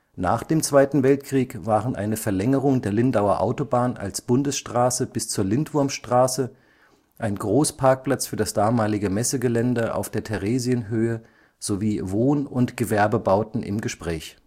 Nach dem Zweiten Weltkrieg waren eine Verlängerung der Lindauer Autobahn als Bundesstraße bis zur Lindwurmstraße, ein Großparkplatz für das damalige Messegelände auf der Theresienhöhe sowie Wohn - und Gewerbebauten im Gespräch